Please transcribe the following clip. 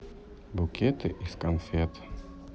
букеты из конфет